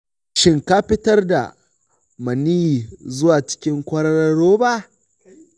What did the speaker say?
shin ka fitar da maniyyi zuwa cikin kwaroron robar?